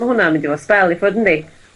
...ma' hwnna'n mynd i bod sbel i ffwr yndi?